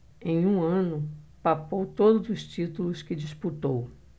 em um ano papou todos os títulos que disputou